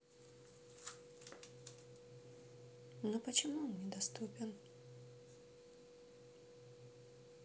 ну почему он недоступен